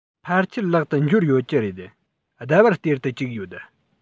ཕལ ཆེར ལག ཏུ འབྱོར ཡོད ཀྱི རེད ཟླ བར སྟེར དུ བཅུག ཡོད